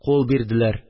Кул бирделәр